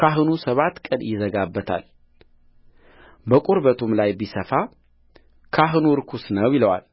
ካህኑ ሰባት ቀን ይዘጋበታልበቁርበቱም ላይ ቢሰፋ ካህኑ ርኩስ ነው ይለዋል